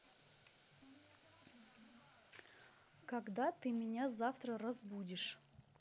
когда ты меня завтра разбудишь